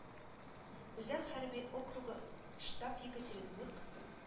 Үзәк хәрби округы штаб Екатеринбург